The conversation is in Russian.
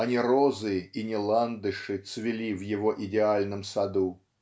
а не розы и не ландыши цвели в его идеальном саду.